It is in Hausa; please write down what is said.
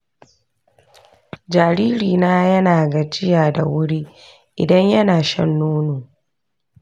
jaririna yana gajiya da wuri idan yana shan nono.